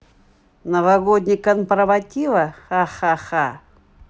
новогодний компроматива ха ха ха